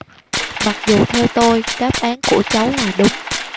mặc dù theo tôi đáp án của cháu là đúng